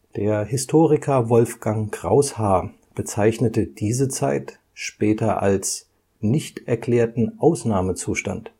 Der Historiker Wolfgang Kraushaar bezeichnete diese Zeit später als „ nicht-erklärten Ausnahmezustand